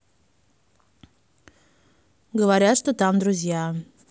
говорят что там друзья